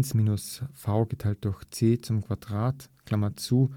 1 - (v/c) 2) 1/2